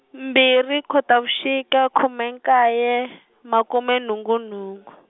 mbirhi Khotavuxika khume nkaye, makume nhungu nhungu.